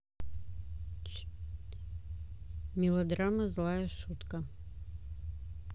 мелодрама злая шутка